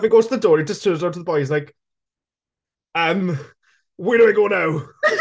He goes to the door he just turns around to the boys like "Umm where do I go now?"